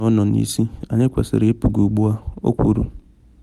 ‘Ọ bụrụ na ọ nọ n’isi, anyị kwesịrị ịpụgo ugbu a,’ o kwuru.